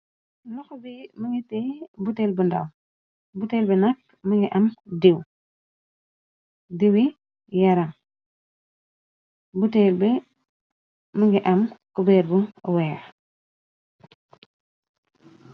Loxo bi mëngiteye buteel bu ndaw butel bi nakk mungi am diiwi yaram buteel bi më ngi am cubéer bu weex.